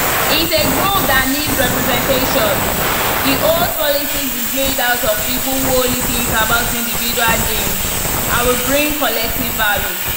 It’s a group that needs representation. The old politics is made out of people who only think about individual gains. I will bring collective values.